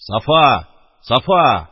— сафа, сафа...